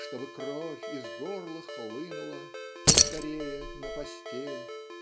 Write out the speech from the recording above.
Чтобы кровь из горла хлынула Поскорее на постель